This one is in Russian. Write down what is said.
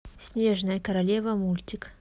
снежная королева мультик